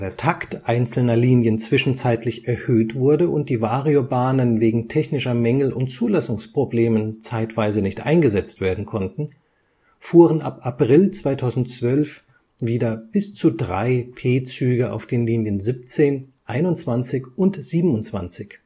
Takt einzelner Linien zwischenzeitlich erhöht wurde und die Variobahnen wegen technischer Mängel und Zulassungsproblemen zeitweise nicht eingesetzt werden konnten, fuhren ab April 2012 wieder bis zu drei P-Züge auf den Linien 17, 21 und 27.